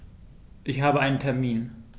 Ich habe einen Termin.